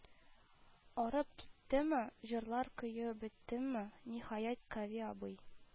Арып киттеме, җырлар көе беттеме, ниһаять, Кави абый